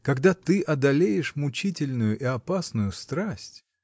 — Когда ты одолеешь мучительную и опасную страсть.